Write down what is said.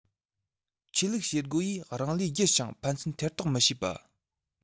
ཆོས ལུགས བྱེད སྒོ ཡིས རང ལས བགྱི ཞིང ཕན ཚུན ཐེ གཏོགས མི བྱེད པ